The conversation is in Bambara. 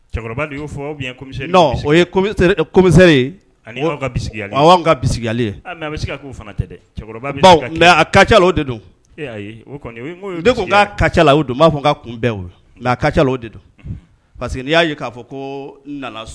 Ymi ka tɛ ka ca de don ka ca la don b'a fɔ ka kun la nka ka de don parceseke n'i y'a ye k'a fɔ ko